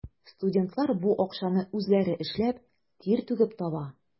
Студентлар бу акчаны үзләре эшләп, тир түгеп таба.